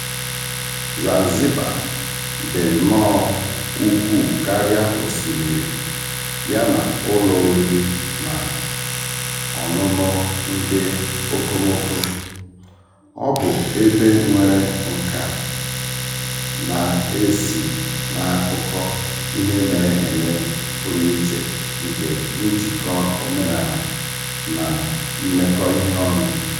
Zanzibar dị nnọọ ukwuu karịa osimmiri ya na ụlọ oriri na ọṅụṅụ ndị okomoko - ọ bụ ebe nwere nkà na-esi na akụkọ ihe mere eme pụrụ iche nke njikọ omenaala na mmekọ ihe ọnụ.